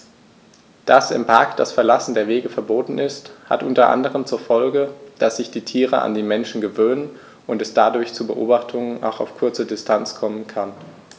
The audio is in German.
Dass im Park das Verlassen der Wege verboten ist, hat unter anderem zur Folge, dass sich die Tiere an die Menschen gewöhnen und es dadurch zu Beobachtungen auch auf kurze Distanz kommen kann.